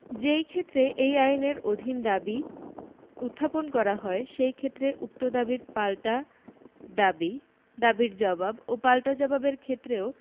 যেইক্ষেত্রে এই আইনের অধীন দাবী উত্থাপন করা হয় সেইক্ষেত্রে উক্ত দাবীর পাল্টা দাবী দাবীর জবাব ও পাল্টা জবাবের ক্ষেত্রেও